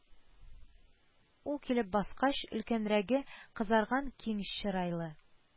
Ул килеп баскач, өлкәнрәге, кызарган киң чырайлы,